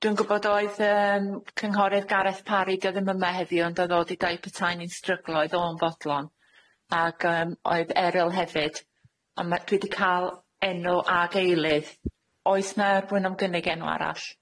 Dwi'n gwbod oedd yym cynghorydd Gareth Parry, dio ddim yma heddi ond oedd o 'di deud petai ni'n stryglo oedd o'n fodlon, ag yym oedd Eryl hefyd a ma' dwi 'di ca'l enw ag eilydd oes 'na erbyn o'm gynnig enw arall?